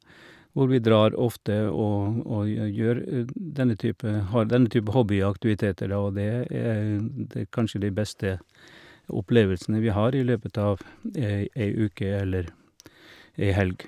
Hvor vi drar ofte og og jø gjør dn denne type har denne type hobbyaktiviteter, da, og det er det er kanskje de beste opplevelsene vi har i løpet av ei ei uke eller ei helg.